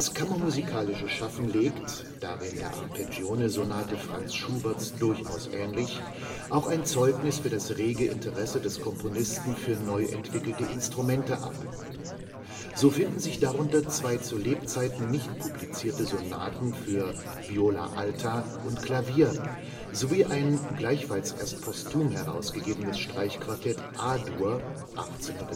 kammermusikalische Schaffen legt, darin der Arpeggionesonate Franz Schuberts durchaus ähnlich, auch ein Zeugnis für das rege Interesse des Komponisten für neu entwickelte Instrumente ab. So finden sich darunter zwei zu Lebzeiten nicht publizierte Sonaten für Viola alta und Klavier, sowie ein gleichfalls erst posthum herausgegebenes Streichquintett A-Dur (1897